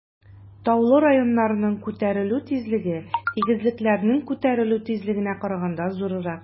Таулы районнарның күтәрелү тизлеге тигезлекләрнең күтәрелү тизлегенә караганда зуррак.